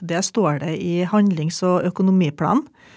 det står det i handlings- og økonomiplanen.